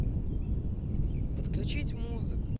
подключить музыку